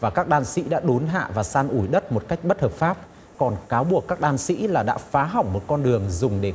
và các đan sĩ đã đốn hạ và san ủi đất một cách bất hợp pháp còn cáo buộc các đan sĩ là đã phá hỏng một con đường dùng để